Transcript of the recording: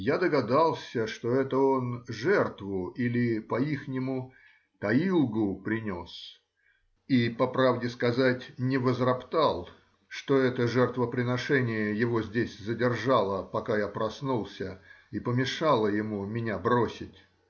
Я догадался, что это он жертву, или, по-ихнему, таилгу, принес, и, по правде сказать, не возроптал, что это жертвоприношение его здесь задержало, пока я проснулся, и помешало ему меня бросить.